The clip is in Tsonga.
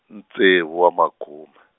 ntsevu wa makhume.